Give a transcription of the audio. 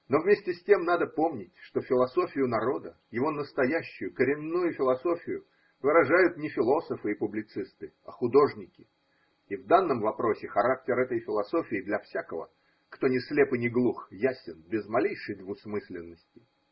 Но вместе с тем надо помнить, что философию народа, его настоящую, коренную философию выражают не философы и публицисты, а художники, и в данном вопросе характер этой философии для всякого, кто не слеп и не глух, ясен без малейшей двусмысленности.